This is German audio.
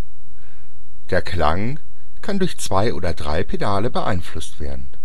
Klang kann durch zwei oder drei Pedale beeinflusst werden